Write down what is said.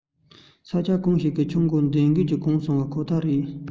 ས ཆ གང ཞིག གི ཆུ མཁོ འདོན མདོང གད སོང པ ཁོ ཐག རེད